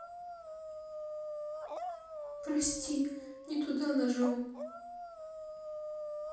прости не туда ножом